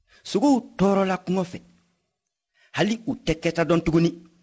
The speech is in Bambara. sogow tɔɔrɔla kɔngɔ fɛ hali u tɛ kɛta dɔn tugunni